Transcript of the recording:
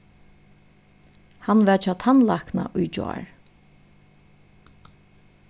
hann var hjá tannlækna í gjár